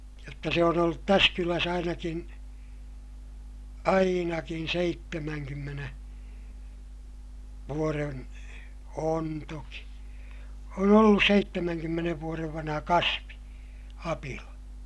jotta se on ollut tässä kylässä ainakin ainakin seitsemänkymmenen vuoden on toki on ollut seitsemänkymmenen vuoden vanha kasvi apila